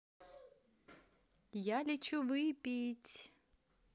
я лечу выпить